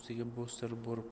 yurt ustiga bostirib boribdi